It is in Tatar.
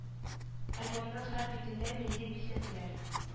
Альбомның һәр битендә милли бизәкләр